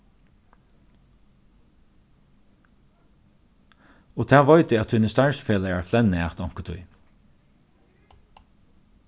og tað veit eg at tínir starvsfelagar flenna at onkuntíð